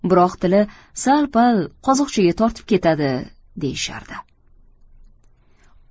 biroq tili sal pal qozoqchaga tortib ketadi deyishardi